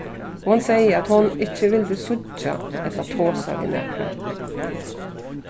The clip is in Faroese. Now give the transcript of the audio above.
hon segði at hon ikki vildi síggja ella tosa við nakran